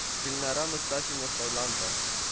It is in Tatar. Гөлнара Мостафина сайланды